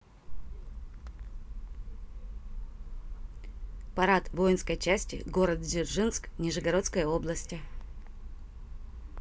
парад воинской части город дзержинск нижегородской области